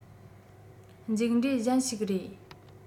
མཇུག འབྲས གཞན ཞིག རེད